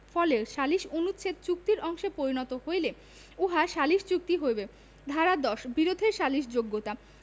ফলে সালিস অনুচ্ছেদ চুক্তির অংশে পরিণত হইলে উহা সালিস চুক্তি হইবে ধারা ১০ বিরোধের সালিসযোগ্যতাঃ